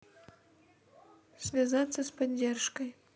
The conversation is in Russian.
связаться с поддержкой